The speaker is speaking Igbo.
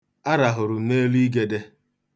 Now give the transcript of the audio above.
Arahụrụ m n'elu igede.